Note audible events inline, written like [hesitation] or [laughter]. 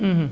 [hesitation] [hesitation]